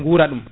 guura ɗum